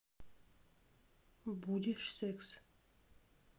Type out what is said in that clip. будешь секс